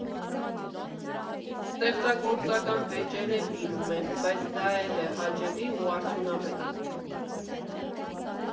Ստեղծագործական վեճեր էլ լինում են, բայց դա էլ է հաճելի ու արդյունավետ։